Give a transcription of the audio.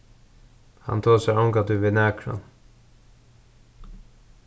hann tosar ongantíð við nakran